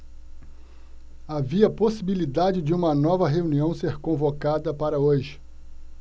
havia possibilidade de uma nova reunião ser convocada para hoje